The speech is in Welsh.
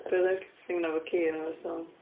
Be oedd y thing 'na efo ci ynddo fo ers talwm?